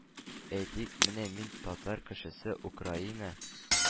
Әйтик, менә мин, татар кешесе, Украина,